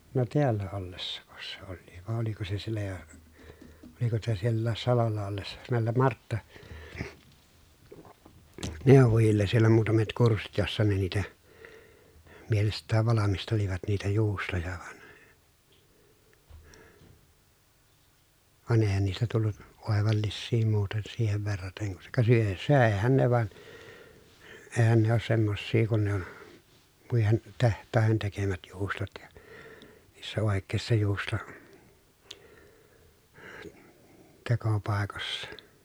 no täällä ollessako se olikin vai oliko se siellä jo oliko sitä sielläkin salolla ollessa näille - marttaneuvojille siellä muutamat kurssit jossa ne niitä mielestään valmistelivat niitä juustoja vaan vaan eihän niistä tullut oivallisia muuten siihen verraten kun se kun ka - söihän ne vaan eihän ne ole semmoisia kuin ne on muiden tehtaiden tekemät juustot ja niissä oikeissa - juustotekopaikoissa